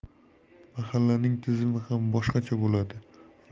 mahallaning tizimi ham boshqacha